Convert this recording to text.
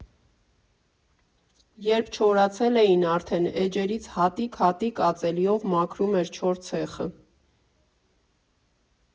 Երբ չորացել էին արդեն, էջերից հատիկ֊հատիկ ածելիով մաքրում էր չոր ցեխը։